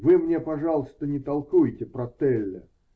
Вы мне, пожалуйста, не толкуйте про Телля.